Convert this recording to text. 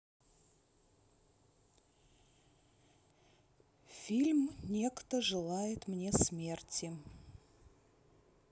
фильм не кто желает мне смерти